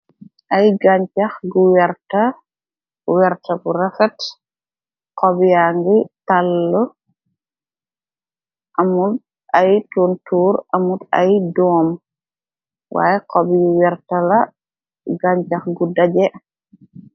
Ay gancax gu werta, werta bu refet, xobyangi tàll, amul ay tuntuur, amul ay doom, waye xob yu wërta la, gancax gu daje.